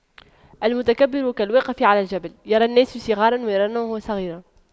المتكبر كالواقف على الجبل يرى الناس صغاراً ويرونه صغيراً